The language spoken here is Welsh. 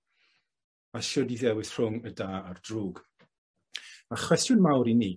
A shwd i ddewis rhwng y da a'r drwg. A chwestiwn mawr i ni